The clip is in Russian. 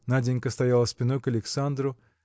Наденька стояла спиной к Александру